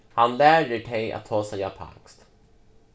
hann lærir tey at tosa japanskt